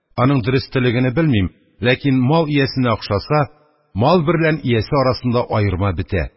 Аның дөрестлегене белмим, ләкин мал иясенә охшаса, мал берлән иясе арасында аерма бетә.